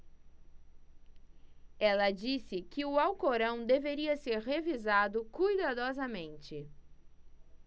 ela disse que o alcorão deveria ser revisado cuidadosamente